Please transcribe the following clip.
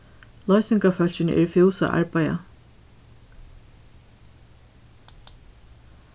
loysingarfólkini eru fús at arbeiða